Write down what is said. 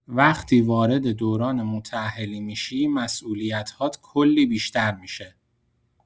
وقتی وارد دوران متاهلی می‌شی، مسئولیت‌هات کلی بیشتر می‌شه.